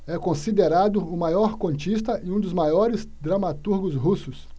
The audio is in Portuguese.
é considerado o maior contista e um dos maiores dramaturgos russos